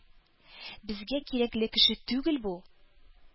«безгә кирәкле кеше түгел бу!»